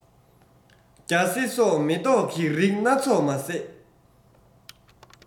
རྒྱ སེ སོགས མེ ཏོག གི རིགས སྣ ཚོགས མ ཟད